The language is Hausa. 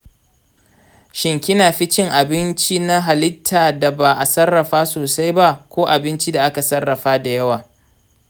shin kina fi cin abinci na halitta da ba a sarrafa sosai ba, ko abinci da aka sarrafa da yawa?